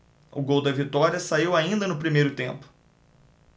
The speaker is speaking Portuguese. o gol da vitória saiu ainda no primeiro tempo